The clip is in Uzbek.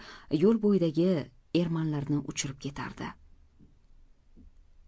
yo'l bo'yidagi ermanlarni uchirib ketardi